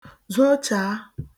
zochàa